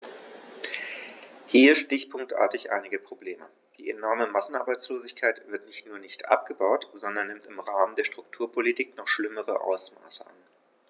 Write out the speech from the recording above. Hier stichpunktartig einige Probleme: Die enorme Massenarbeitslosigkeit wird nicht nur nicht abgebaut, sondern nimmt im Rahmen der Strukturpolitik noch schlimmere Ausmaße an.